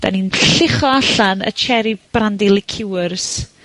'dan ni'n llucho allan y cherry brandy liqueurs,